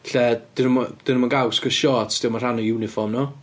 Lle dyn nhw'm... dyn nhw'm yn gael gwsigo siorts, 'di o'm yn rhan o uniform nhw.